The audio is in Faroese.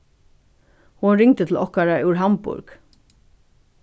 hon ringdi til okkara úr hamburg